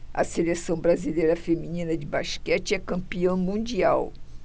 a seleção brasileira feminina de basquete é campeã mundial